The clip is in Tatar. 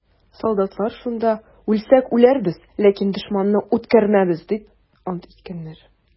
Солдатлар шунда: «Үлсәк үләрбез, ләкин дошманны үткәрмәбез!» - дип ант иткәннәр.